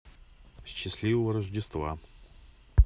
счастливого рождества